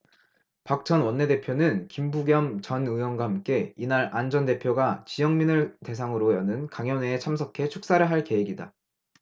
박 전 원내대표는 김부겸 전 의원과 함께 이날 안 전 대표가 지역민을 대상으로 여는 강연회에 참석해 축사를 할 계획이다